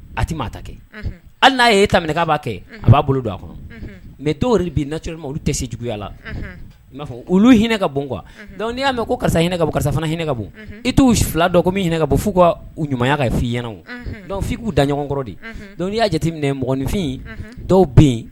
A hali n'a ye ta b'a kɛ a b'a bolo don a kɔnɔ mɛ to' nama olu tɛ se juguyaya la'a olu hinɛ ka bon dɔnku y'a mɛn ko karisa hinɛ ka karisafana hinɛ ka bon i t'u fila min hinɛ ka bɔ f'u ka ɲumanya kan f' i ɲɛna dɔnku' k'u da ɲɔgɔnkɔrɔ de dɔnku y'a jateminɛ minfin dɔw bɛ